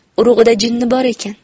urug'ida jinni bor ekan